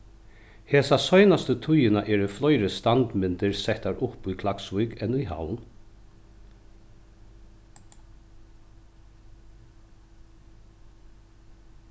hesa seinastu tíðina eru fleiri standmyndir settar upp í klaksvík enn í havn